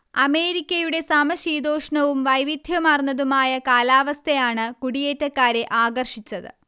അമേരിക്കയുടെ സമശീതോഷ്ണവും വൈവിധ്യമാർന്നതുമായ കാലവസ്ഥയാണ് കൂടിയേറ്റക്കാരെ ആകർഷിച്ചത്